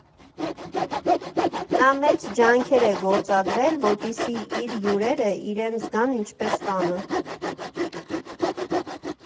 Նա մեծ ջանքեր է գործադրել, որպեսզի իր հյուրերը իրենց զգան ինչպես տանը։